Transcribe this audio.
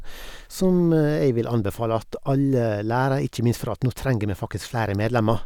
Som jeg vil anbefale at alle lærer, ikke minst for at nå trenger vi faktisk flere medlemmer.